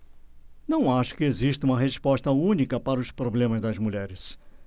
não acho que exista uma resposta única para os problemas das mulheres